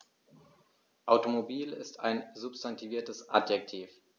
Automobil ist ein substantiviertes Adjektiv.